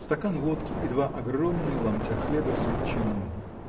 стакан водки и два огромные ломтя хлеба с ветчиной.